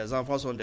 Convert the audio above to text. Zanfasɔn dɛ